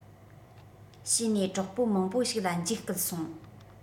བྱས ནས གྲོགས པོ མང པོ ཞིག ལ འཇིགས སྐུལ སོང